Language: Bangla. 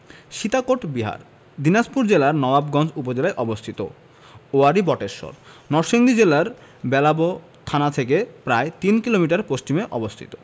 সীতাকোট বিহার দিনাজপুর জেলার নওয়াবগঞ্জ উপজেলায় অবস্থিত ওয়ারী বটেশ্বর নরসিংদী জেলার বেলাব থানা থেকে প্রায় তিন কিলোমিটার পশ্চিমে অবস্থিত